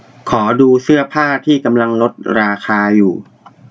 ขอดูเสื้อผ้าที่กำลังลดราคาอยู่